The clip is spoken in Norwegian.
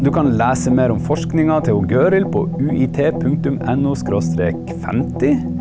du kan lese mer om forskninga til hun Gøril på UiT punktum N O skråstrek femti.